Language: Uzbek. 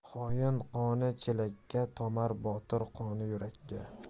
xoin qoni chelakka tomar botir qoni yurakka